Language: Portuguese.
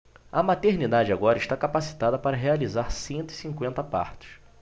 a maternidade agora está capacitada para realizar cento e cinquenta partos